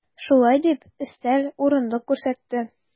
Шулай дип, өстәл, урындык күрсәтте.